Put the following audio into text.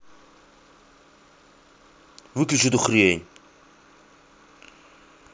выключи эту хрень